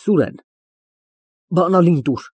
ՍՈՒՐԵՆ ֊ Բանալին տուր։